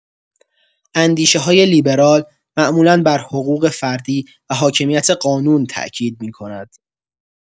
اندیشه‌های لیبرال معمولا بر حقوق فردی و حاکمیت قانون تاکید می‌کند.